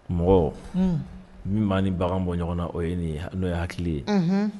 Mɔgɔ min ni bagan bɔ ɲɔgɔn na o ye nin n'o hakili ye